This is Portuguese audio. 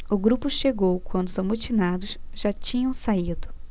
o grupo chegou quando os amotinados já tinham saído